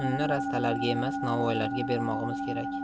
unni rastalarga emas novvoylarga bermog'imiz kerak